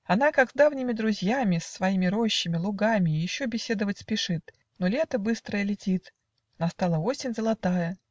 Она, как с давними друзьями, С своими рощами, лугами Еще беседовать спешит. Но лето быстрое летит. Настала осень золотая.